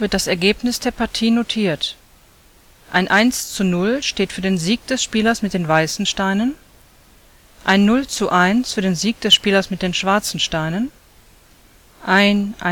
das Ergebnis der Partie notiert, ein 1:0 steht für den Sieg des Spielers mit den weißen Steinen, ein 0:1 für den Sieg des Spielers mit den schwarzen Steinen, ein ½:½